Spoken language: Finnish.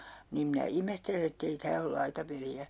niin minä ihmettelen että ei tämä ole laitapeliä